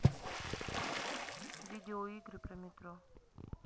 видео игры про метро